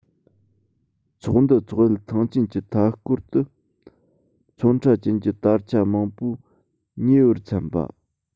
ཚོགས འདུ འཚོག ཡུལ ཐང ཆེན གྱི མཐའ སྐོར དུ ཚོན ཁྲ ཅན གྱི དར ཆ མང པོས ཉེ བར མཚན པ